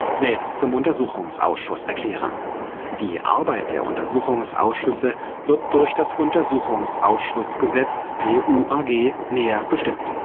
selbst zum Untersuchungsausschuss erklären (Art. 45a Abs. 2 GG). Die Arbeit der Untersuchungsausschüsse wird durch das Untersuchungsausschussgesetz (PUAG) näher bestimmt